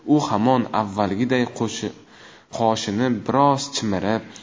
u hamon avvalgiday qoshini biroz chimirib